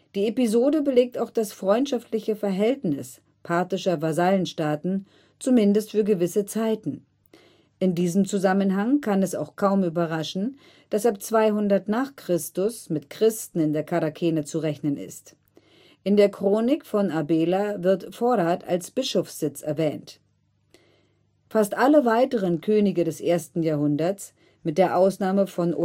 Die Episode belegt auch das freundschaftliche Verhältnis parthischer Vasallenstaaten, zumindest für gewisse Zeiten. In diesem Zusammenhang kann es auch kaum überraschen, dass ab 200 n. Chr. mit Christen in der Charakene zu rechnen ist. In der Chronik von Arbela wird Forat als Bischofssitz erwähnt. Fast alle weiteren Könige des ersten Jahrhunderts, mit der Ausnahme von